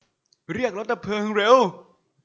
เรียกรถดับเพลิงเร็ว